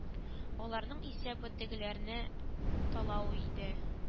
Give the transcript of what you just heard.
Аларның исәбе тегеләрне талау иде